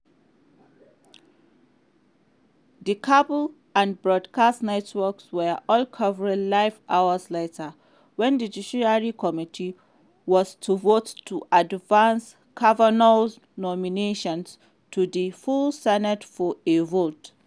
The cable and broadcast networks were all covering live hours later, when the Judiciary Committee was to vote to advance Kavanaugh's nomination to the full Senate for a vote.